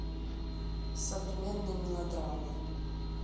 современные мелодрамы